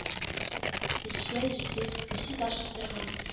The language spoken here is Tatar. Эшчән, җитез, көче ташып торган